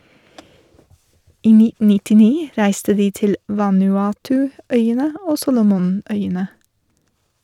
I 1999 reiste de til Vanuatuøyene og Solomonøyene.